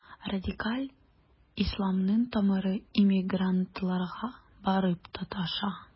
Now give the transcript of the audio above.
Радикаль исламның тамыры иммигрантларга барып тоташа.